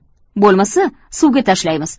bo'lmasa suvga tashlaymiz